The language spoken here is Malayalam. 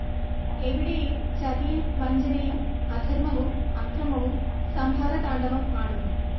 എവിടെയും ചതിയും വഞ്ചനയും, അധർമ്മവും അക്രമവും സംഹാരതാണ്ഡവം ആടുന്നു